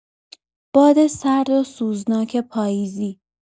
باد سرد و سوزناک پاییزی